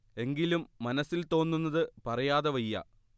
എങ്കിലും മനസ്സിൽ തോന്നുന്നത് പറയാതെ വയ്യ